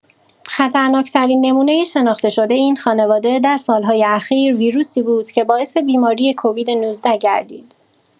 خطرناک‌ترین نمونه شناخته‌شده این خانواده در سال‌های اخیر ویروسی بود که باعث بیماری کووید-۱۹ گردید.